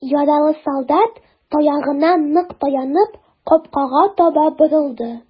Яралы солдат, таягына нык таянып, капкага таба борылды.